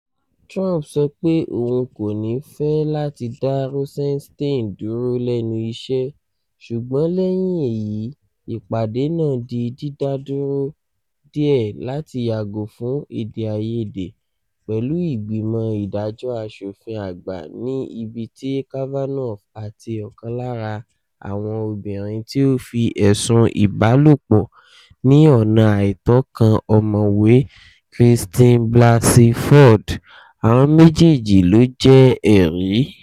Trump sọ pé òun "kò ní fẹ́" láti dá Rosenstein dúró lẹ́nu iṣẹ́ ṣùgbọ́n lẹ́yìn èyí ìpàdé náà di dídá dúró díẹ̀ láti yàgò fún èdè àìyedè pẹ̀lú ìgbìmọ̀ ìdájọ́ Aṣòfin àgbà ní ibi tí Kavanaugh àti ọ̀kan lára àwọn obìnrin tí ó fi ẹ̀sùn ìbálòpọ̀ ní ọ́nà àìtọ́ kan Ọ̀mọ̀wé Christine Blassey Ford, àwọn méjèèjì ló jẹ́ ẹ̀rí